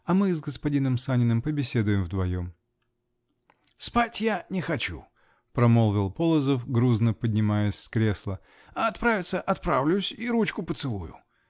а мы с господином Саниным побеседуем вдвоем -- Спать я не хочу, -- промолвил Полозов, грузно поднимаясь с кресла а отправиться отправлюсь и ручку поцелую.